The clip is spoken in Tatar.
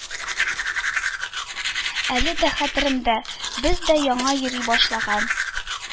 Әле дә хәтеремдә: без дә, яңа йөри башлаган